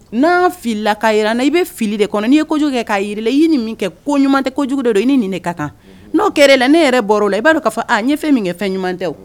N'an fili l ka jir' na i bɛ fili de kɔnɔ, n'i ye kojugu kɛ, k'a jira i la i ye ni kɛ ko ɲuman tɛ kojugu don, i ni nin de ka kan n'o kɛra la, n'i yɛrɛ bɔra la i b'a don k'a fɔ aa n ye fɛn min kɛ fɛn ɲuman tɛ wo.